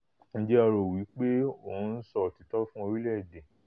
Ǹjẹ́ o rò wí pé ó ń sọ òtítọ́ fún orílẹ̀-èdè?